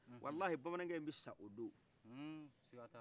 walahi bamanankɛyi bi sa o do